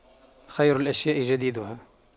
خير الأشياء جديدها